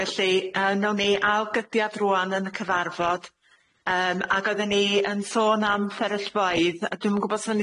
Felly yy newn ni ail gydiad rŵan yn y cyfarfod yym ag oedden ni yn sôn am fferyllfaoedd a dwi'm yn gwbod os o'n